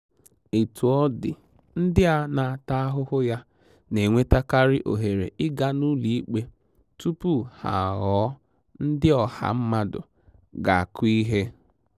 Etu ọ dị, ndị a na-ata ahụhụ ya na-enwetakarị ohere ịga n'ụlọikpe tupu ha aghọọ ndị ọha mmadụ ga-akụ ihe.